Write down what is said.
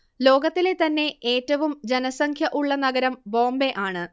ലോകത്തിലെ തന്നെ ഏറ്റവും ജനസംഖ്യ ഉള്ള നഗരം ബോംബെ ആണ്